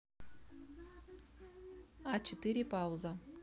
а четыре пауза